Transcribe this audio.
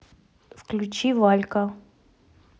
включи валька